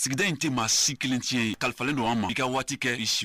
Sigida in tɛ maa si kelen tiɲɛ kalifalen don' a ma i ka waati kɛ si